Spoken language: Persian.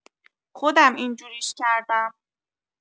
خودم اینجوریش کردم.